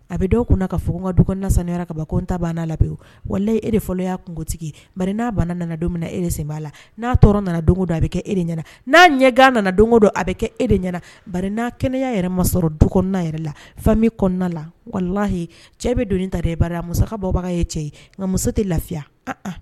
A bɛ dɔw kunna ka fɔ n ka du kɔnɔna saniyara ka ban ko n ta banna la labɛnwu wala e de fɔlɔ y'a kuntigi mari banna nana don e de sen b'a la n'a tɔɔrɔ nana don don a bɛ kɛ e de ɲɛna n'a ɲɛgan nana don don a bɛ kɛ e de ɲɛna mari kɛnɛya yɛrɛ ma sɔrɔ du kɔnɔna yɛrɛ la fa kɔnɔna la walahi cɛ bɛ don ta muso bɔbaga ye cɛ ye nka muso tɛ lafiya